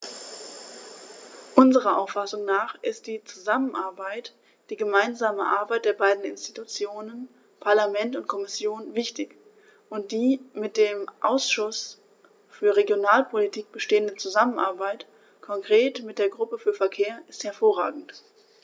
Unserer Auffassung nach ist die Zusammenarbeit, die gemeinsame Arbeit der beiden Institutionen - Parlament und Kommission - wichtig, und die mit dem Ausschuss für Regionalpolitik bestehende Zusammenarbeit, konkret mit der Gruppe für Verkehr, ist hervorragend.